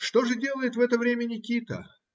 Что же делает в это время Никита?